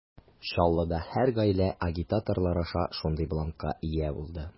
Чаллыда һәр гаилә агитаторлар аша шундый бланкка ия булды.